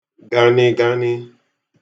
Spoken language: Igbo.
ganiganị̀